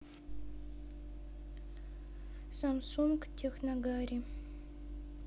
самсунг техногарри